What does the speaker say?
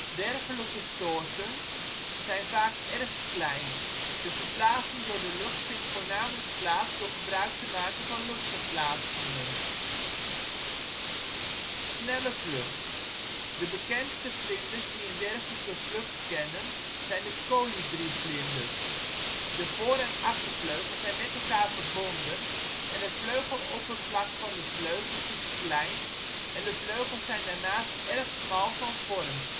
Dergelijke soorten zijn vaak erg klein, de verplaatsing door de lucht vindt voornamelijk plaats door gebruik te maken van luchtverplaatsingen. Snelle vlucht; de bekendste vlinders die een dergelijke vlucht kennen zijn de kolibrievlinders. De voor - en achtervleugel zijn met elkaar verbonden en het vleugeloppervlak van de vleugels is klein en de vleugels zijn daarnaast erg smal van vorm.